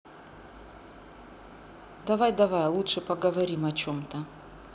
давай давай лучше поговорим о чем то